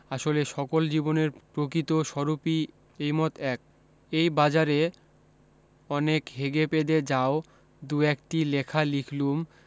আসলে সকল জীবনের প্রকৃত স্বরূপি এইমত এক এই বাজারে অনেক হেগে পেদে যাও দুএকটি লেখা লিখলুম